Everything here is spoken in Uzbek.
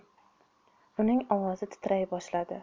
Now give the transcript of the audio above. uning ovozi titray boshladi